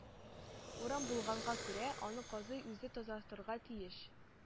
Урам булганга күрә, аны казый үзе тазартырга тиеш,